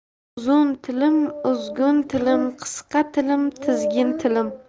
uzun tilim uzgun tilim qisqa tilim tizgin tilim